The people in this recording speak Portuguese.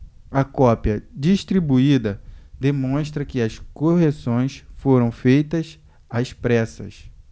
a cópia distribuída demonstra que as correções foram feitas às pressas